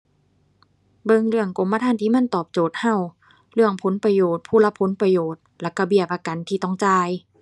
เบิ่งเรื่องกรมธรรม์ที่มันตอบโจทย์เรา เรื่องผลประโยชน์ ผู้รับผลประโยชน์แล้วเราเบี้ยประกันที่ต้องจ่าย